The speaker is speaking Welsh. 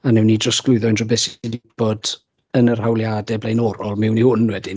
a wnawn ni drosglwyddo unryw beth sydd 'di bod yn yr hawliadau blaenorol mewn i hwn wedyn.